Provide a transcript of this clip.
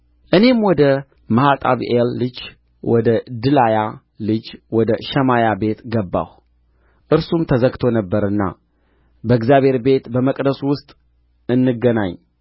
እኔም ወደ መሔጣብኤል ልጅ ወደ ድላያ ልጅ ወደ ሸማያ ቤት ገባሁ እርሱም ተዘግቶ ነበርና በእግዚአብሔር ቤት በመቅደሱ ውስጥ እንገናኝ